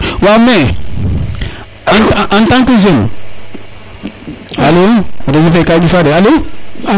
wa mais en tant jeune alo réseau fe ka ƴufa de